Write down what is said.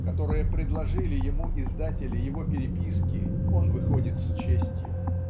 которое предложили ему издатели его переписки он выходит с честью.